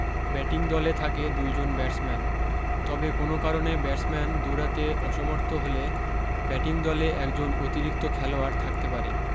batting দলে থাকে দুইজন ব্যাটসম্যান তবে কোন কারণে ব্যাটসম্যান দুড়াতে অসমর্থ হলে ব্যাটিং দলে একজন অতিরিক্ত খেলোয়াড় থাকতে পারে